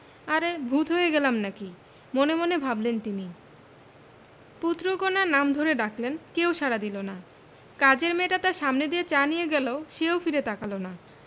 আরে ভূত হয়ে গেলাম নাকি মনে মনে ভাবলেন তিনি পুত্র কন্যার নাম ধরে ডাকলেন কেউ সাড়া দিল না কাজের মেয়েটা তাঁর সামনে দিয়ে চা নিয়ে গেল সে ও ফিরে তাকাল না